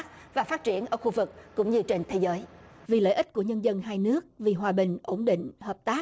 và phát triển ở khu vực cũng như trên thế giới vì lợi ích của nhân dân hai nước vì hòa bình ổn định hợp tác